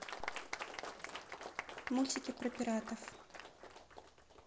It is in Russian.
мультики про пиратов